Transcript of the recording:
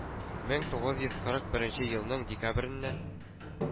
Мең тугыз йөз кырык беренче елның декабреннән